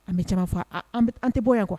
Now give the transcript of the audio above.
An bɛ caman fɔ an tɛ bɔ yan kuwa